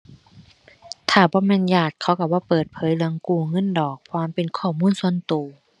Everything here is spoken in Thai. ถ้าบ่แม่นญาติเขาก็บ่เปิดเผยเรื่องกู้เงินดอก เพราะว่ามันเป็นข้อมูลส่วนก็